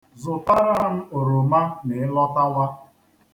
Zụtara m oroma ma ị lọtawa.